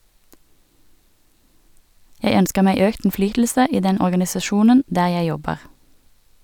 Jeg ønsker meg økt innflytelse i den organisasjonen der jeg jobber.